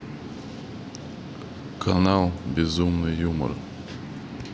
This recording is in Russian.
канал безумный юмор